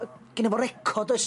Yy gynno fo record does?